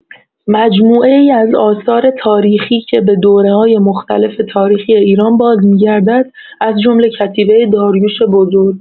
مجموعه‌ای از آثار تاریخی که به دوره‌های مختلف تاریخی ایران بازمی‌گردد، از جمله کتیبه داریوش بزرگ.